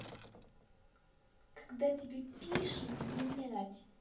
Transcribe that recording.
когда тебе пишут блядь